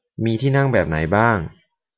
มีที่นั่งแบบไหนบ้าง